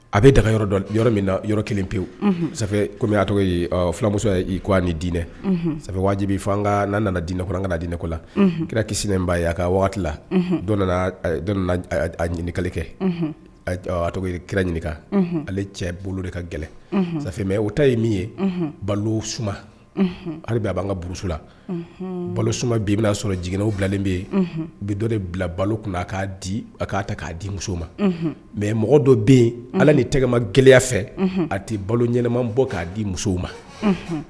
A bɛ daga yɔrɔ min na yɔrɔ kelen pewu kɔmi tɔgɔ fulamuso y ko ni d diinɛ waatijibi n'a nana dinɛ ka dinɛko la kira kisi ba ye a ka waati la ɲinili kɛ a tɔgɔ kira ɲininka ale cɛ bolo de ka gɛlɛn samɛ o ta ye min ye balo su hali a b'an kauru la balo suuma b' bɛna'a sɔrɔ jig bilalen bɛ yen bi dɔ de bila balo tun'a'a di a k'a ta k'a di muso ma mɛ mɔgɔ dɔ bɛ yen ala ni tɛgɛma gɛlɛyaya fɛ a tɛ balo ɲɛnaman bɔ k'a di musow ma